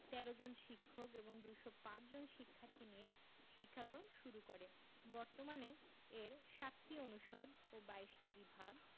১৩ জন শিক্ষক এবং ২০৫ জন শিক্ষার্থী নিয়ে শিক্ষাক্রম শুরু করে বর্তমানে এর ৭টি অনুষদ ও ২২টি বিভাগ